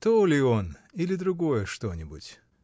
То ли он или другое что-нибудь?.